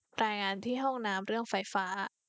รายงานที่ห้องน้ำเรื่องไฟฟ้า